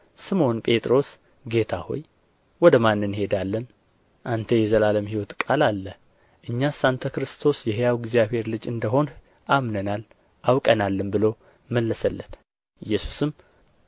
ስምዖን ጴጥሮስ ጌታ ሆይ ወደ ማን እንሄዳለን አንተ የዘላለም ሕይወት ቃል አለህ እኛስ አንተ ክርስቶስ የሕያው የእግዚአብሔር ልጅ እንደ ሆንህ አምነናል አውቀናልም ብሎ መለሰለት ኢየሱስም